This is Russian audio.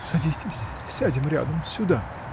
— Садитесь, сядем рядом, сюда!